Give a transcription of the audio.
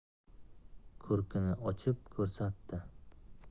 ko'rkini ochib ko'rsatdi